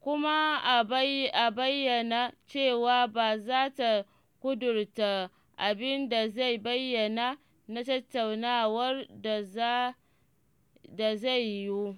kuma ta bayyana cewa ba za ta ƙudurta abin da zai bayyana na tattaunawar da za yiwu.